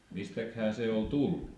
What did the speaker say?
mistähän se oli tullut